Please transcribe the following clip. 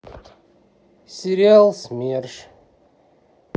сериал смерш